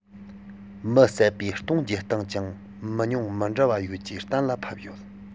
མི བསད པའི སྟོང འཇལ སྟངས ཀྱང མང ཉུང མི འདྲ བ ཡོད ཅེས གཏན ལ ཕབ ཡོད